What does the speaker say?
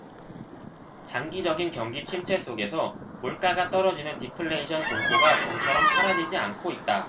장기적인 경기침체 속에서 물가가 떨어지는 디플레이션 공포가 좀처럼 사라지지 않고 있다